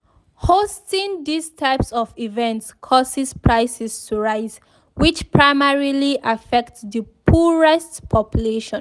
Hosting these types of events causes prices to rise, which primarily affects the poorest populations.